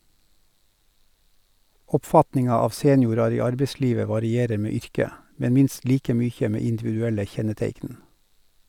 Oppfatninga av seniorar i arbeidslivet varierer med yrke, men minst like mykje med individuelle kjenneteikn.